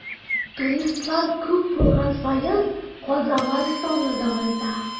Туристлар күп булган саен, казалар саны да арта.